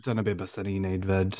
Dyna be byswn i'n wneud 'fyd.